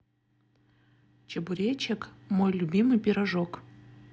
чебуречек мой любимый пирожок